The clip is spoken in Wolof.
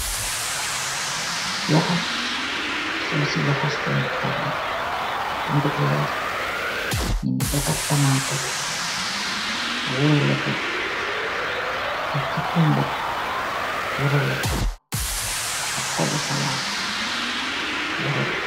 Yohos, sosi yohos bun toga, ak pompiterr, nyungi dogat tamateh bi woraleko, ak cacumba bi woraleko, ak hxobu salat bi woraleko.